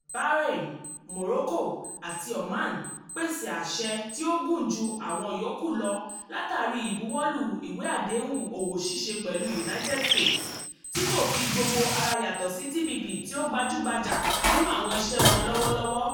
Bahrain, Morocco, àti Oman pèsè àṣẹ tí ó gùn jù àwọn yòókù lọ látàrí ìbuwọ́lù ìwé àdéhùn òwò ṣíṣe pẹ̀lú United States, tí kò fi gbogbo ara yàtọ̀ sí TPP tí ó gbajúgbajà nínú àwọn iṣẹ́ wọn lọ́wọ́ lọ́wọ́.